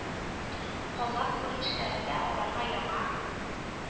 Калган күренешләре дә аларга яңа,